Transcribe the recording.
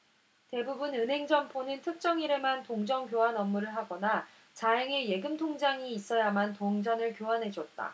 대부분 은행 점포는 특정일에만 동전 교환 업무를 하거나 자행의 예금통장이 있어야만 동전을 교환해줬다